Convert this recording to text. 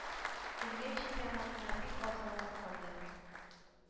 Дөнья Чемпионатына бик аз вакыт калды.